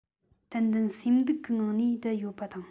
ཏན ཏན སེམས སྡུག གི ངང ནས བསྡད ཡོད པ དང